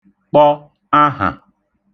kpọ ahà